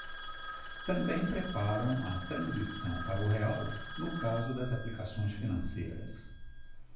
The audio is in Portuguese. também preparam a transição para o real no caso das aplicações financeiras